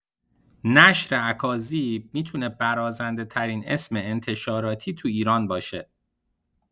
نشر اکاذیب می‌تونه برازنده‌ترین اسم انتشاراتی تو ایران باشه.